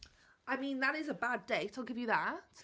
I mean that is a bad date, I'll give you that.